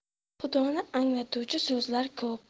xudoni anglatuvchi so'zlar ko'p